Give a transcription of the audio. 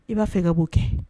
I b'a fɛ ka'o kɛ